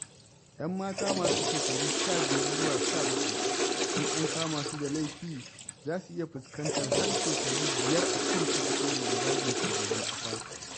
Yan mata, masu shekaru 15 zuwa 17, in an kama su da laifi, za su iya fuskantar har shekaru biyar a kurkuku saboda zagin shugaban ƙasa.